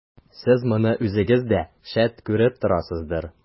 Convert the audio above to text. Сез моны үзегез дә, шәт, күреп торасыздыр.